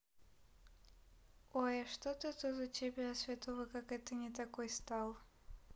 ой а что тут у тебя святого как это не такой стал